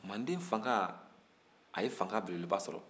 manden fanga a ye fanga belebeleba sɔrɔ